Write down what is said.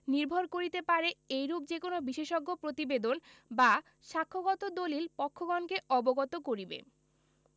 নির্ভর করিতে পারে এইরূপ যে কোন বিশেষজ্ঞ প্রতিবেদন বা সাক্ষ্যগত দলিল পক্ষগণকে অবগত করিবে